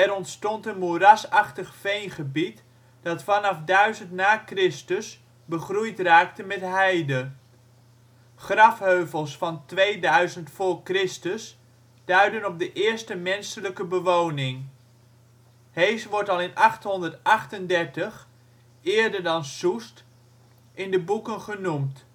ontstond een moerasachtig veengebied dat vanaf 1000 na Christus begroeid raakte met heide. Grafheuvels van 2000 voor Christus duiden op de eerste menselijke bewoning. Hees wordt al in 838, eerder dan Soest (929), in de boeken genoemd